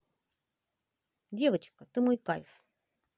девочка ты мой кайф